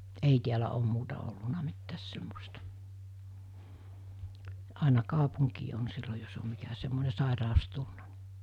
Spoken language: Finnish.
ei täällä ole muuta ollut mitään semmoista aina kaupunkiin on silloin jos on mikä semmoinen sairaus tullut niin